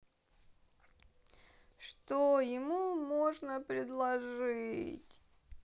что ему можно предложить